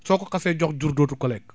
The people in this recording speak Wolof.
soo ko xasee jox jur dootu ko lekk